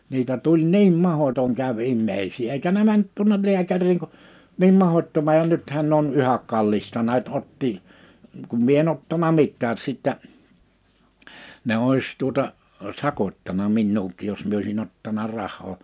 niitä tuli niin mahdoton kävi ihmisiä eikä ne mennyt tuonne lääkäriin kun niin mahdottoman ja nythän ne on yhä kallistaneet ottoa kun minä en ottanut mitään sitten ne olisi tuota sakottanut minuakin jos minä olisin ottanut rahaa